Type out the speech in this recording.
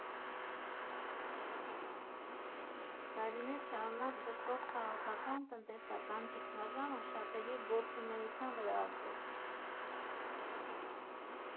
Տարիներ շարունակ ձգվող քաղաքական, տնտեսական ճգնաժամը շատերի գործունեության վրա ազդեց։